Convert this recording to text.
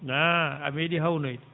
an a meeɗi hawnoyde